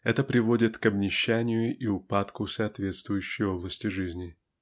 это приводит к обнищанию и упадку соответствующей области жизни.